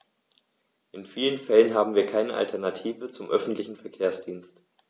In vielen Fällen haben wir keine Alternative zum öffentlichen Verkehrsdienst.